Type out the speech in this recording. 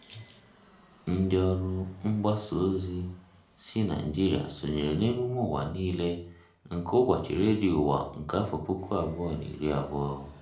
Ndị ọrụ mgbasa ozi si Naịjirịa sonyere n'emume ụwa niile nke ụbọchị redio ụwa nke afọ 2020